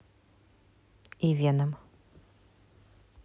и веном